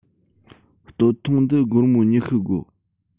སྟོད ཐུང འདི སྒོར མོ ཉི ཤུ དགོ